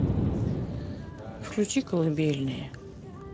включи колыбельные